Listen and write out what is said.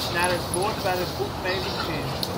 naar het woord waar het boek mee begint